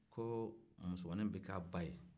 ko musomanin bɛ k'a ba ye